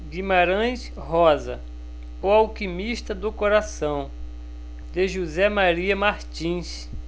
guimarães rosa o alquimista do coração de josé maria martins